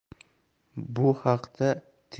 bu haqda tergov